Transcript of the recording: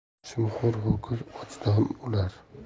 chimxo'r ho'kiz ochdan o'lar